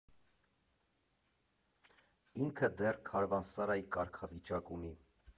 Ինքը դեռ քարվանսարայի կարգավիճակ ունի։